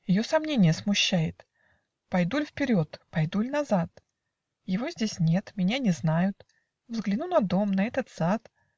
Ее сомнения смущают: "Пойду ль вперед, пойду ль назад?. Его здесь нет. Меня не знают. Взгляну на дом, на этот сад".